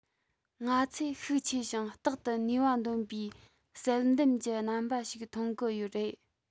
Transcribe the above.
ང ཚོས ཤུགས ཆེ ཞིང རྟག ཏུ ནུས པ འདོན པའི བསལ འདེམས ཀྱི རྣམ པ ཞིག མཐོང གི རེད